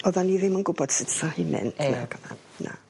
Oddan ni ddim yn gwbod sut sa hi'n mynd na.